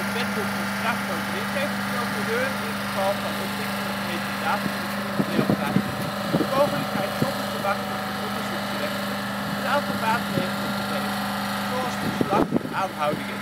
Wetboek van strafvordering geeft de procureur in geval van ontdekking op heterdaad van een crimineel feit de mogelijkheid zonder te wachten op de onderzoeksrechter een aantal maatregelen te nemen, zoals beslag, aanhouding